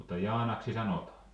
mutta Jaanaksi sanotaan